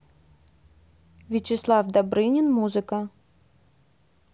вячеслав добрынин музыка